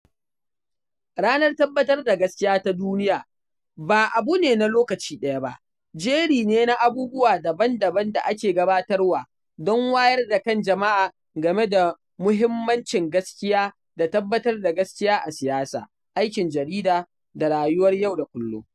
Ranar Tabbatar da Gaskiya ta Duniya ba abu ne na lokaci ɗaya ba, jeri ne na abubuwa daban-daban da ake gabatarwa don wayar da kan jama’a game da muhimmancin gaskiya da tabbatar da gaskiya a siyasa, aikin jarida, da rayuwar yau da kullum.